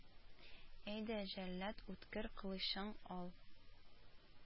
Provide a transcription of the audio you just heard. Әйдә, җәллад, үткер кылычың ал